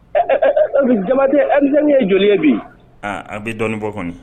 Ɛɛ sabu jamaden ye joli ye bi an bɛ dɔɔnini bɔ kɔnɔ